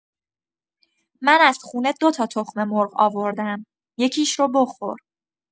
من از خونه دو تا تخم‌مرغ آوردم، یکی‌ش رو بخور.